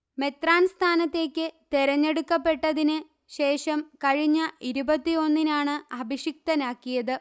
മെത്രാൻസ്ഥാനത്തേക്ക് തെരഞ്ഞെടുക്കപ്പെട്ടതിന്ന് ശേഷം കഴിഞ്ഞ ഇരുപത്തിയൊന്നിനാണ് അഭിഷിക്തനാക്കിയത്